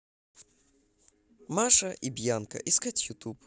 маша и бьянка искать ютуб